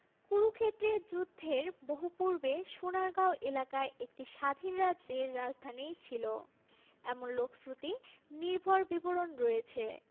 কুরুক্ষেত্রের যুদ্ধের বহু পূর্বে সোনারগাঁও এলাকায় একটি স্বাধীন রাজ্যের রাজধানী ছিল এমন লোকশ্রুতি নির্ভর বিবরণ রয়েছে